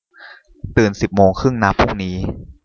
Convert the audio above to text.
ตื่นสิบโมงครึ่งนะพรุ่งนี้